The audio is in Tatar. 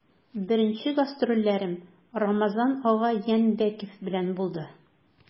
Беренче гастрольләрем Рамазан ага Янбәков белән булды.